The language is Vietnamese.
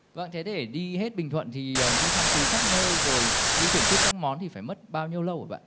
vầng thế để đi hết bình thuận thì đi thăm thú khắp nơi rồi đi thưởng thức các món thì phải mất bao nhiêu lâu hả bạn